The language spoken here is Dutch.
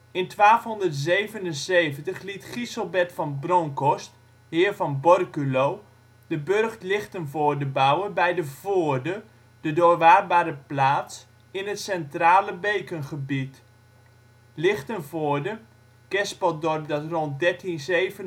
In 1277 liet Gieselbert van Bronckhorst, heer van Borculo, de Burcht Lichtenvoorde bouwen bij de " voorde " (doorwaadbare plaats) in het centrale bekengebied. Lichtenvoorde, kerspeldorp dat rond 1397